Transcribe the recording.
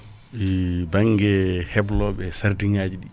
i banggue hebloɓe sardiŋaji ɗi